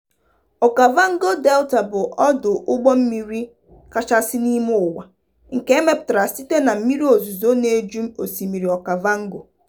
Okavango Delta bụ ọdụ ụgbọ mmiri kachasị n'ime ụwa, nke e mepụtara site na mmiri ozuzo na-eju osimiri Okavango.